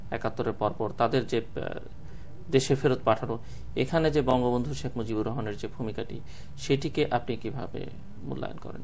একাত্তরের পর পর তাদের যে দেশে ফেরত পাঠানো এখানে যে বঙ্গবন্ধু শেখ মুজিবুর রহমানের যে ভূমিকা টি সেটিকে আপনি কিভাবে মূল্যায়ন করেন